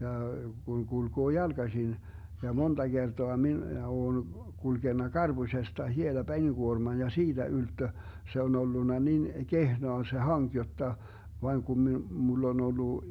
ja kun kulkee jalkaisin ja monta kertaa minä olen kulkenut karpusesta hiela penikuorman ja siitä ylttö se on ollut niin kehnoa se hanki jotta vain kun - minulla on ollut